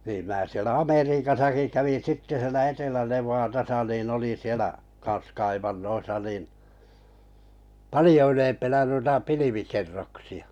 niin minä siellä Amerikassakin kävin sitten siellä Etelä-Nevadassa niin olin siellä kanssa kaivannoissa niin paljon ylempänä noita pilvikerroksia